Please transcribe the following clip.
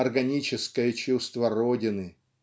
органическое чувство родины.